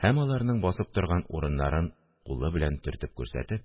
Һәм, аларның басып торган урыннарын кулы белән төртеп